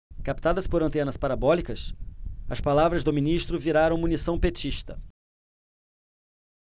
captadas por antenas parabólicas as palavras do ministro viraram munição petista